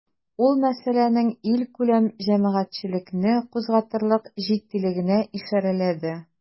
Ул мәсьәләнең илкүләм җәмәгатьчелекне кузгатырлык җитдилегенә ишарәләде.